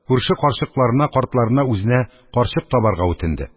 Күрше карчыкларына-картларына үзенә карчык табарга үтенде